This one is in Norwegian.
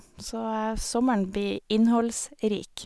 Så sommeren blir innholdsrik.